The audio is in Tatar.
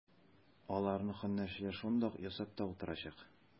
Аларны һөнәрчеләр шунда ук ясап та утырачак.